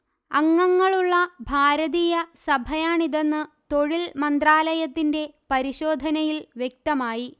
അംഗങ്ങളുള്ള ഭാരതീയ സഭയാണിതെന്ന്തൊഴിൽ മന്ത്രാലയത്തിന്റെ പരിശോധനയിൽ വ്യക്തമായി